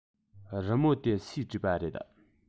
རི མོ དེ སུས བྲིས པ རེད